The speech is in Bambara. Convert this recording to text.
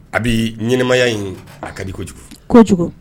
A bɛ ɲɛnɛmaya in a ka di kojugu kojugu